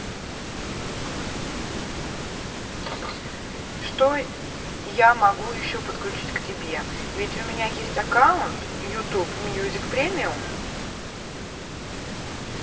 что я могу еще подключить к тебе ведь у меня есть аккаунт youtube music premium